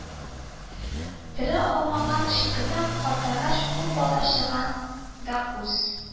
Терә алмаган шикелле, картайгач, ул бала чаган да күз